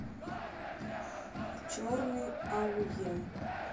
черный ауе